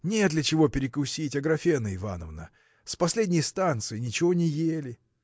Нет ли чего перекусить, Аграфена Ивановна? С последней станции ничего не ели.